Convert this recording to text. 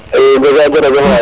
i jerejef waay